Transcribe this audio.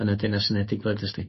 yn y Deyrnas Unedig fel edes di.